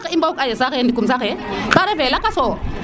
i mbong a saxe ne saxe te refe laka so